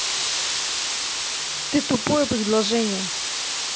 ты тупое приложение